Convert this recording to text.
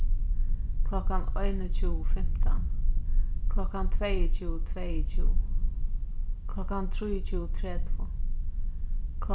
klokkan einogtjúgu fimtan klokkan tveyogtjúgu tveyogtjúgu klokkan trýogtjúgu tretivu